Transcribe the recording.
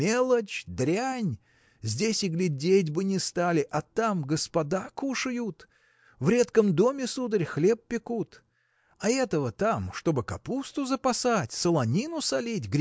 мелочь, дрянь: здесь и глядеть бы не стали, а там господа кушают! В редком доме, сударь, хлеб пекут. А этого там чтобы капусту запасать солонину солить